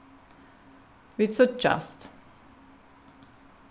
vit síggjast